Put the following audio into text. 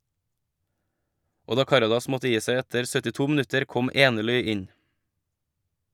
Og da Karadas måtte gi seg etter 72 minutter kom Enerly inn.